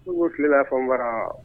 Ne tile y'a fɔ n bara wa